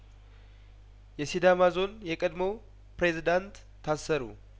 የሲዳማ ዞን የቀድሞው ፕሬዚዳንት ታሰሩ